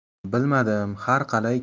bilmadim har qalay